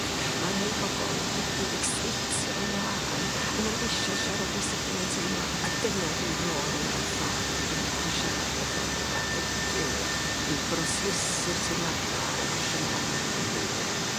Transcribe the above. Ma' rhei bobol wedi ecseitio'n lân a ma' n'w isio siarad am sut ma' nw'n teimlo a dyna 'di'n rôl i mewn ffor dwi'n medru siarad efo n'w a helpu n'w i brosesu'r teimlada a'r emosiyna ma' nw'n mynd drwyddyn n'w.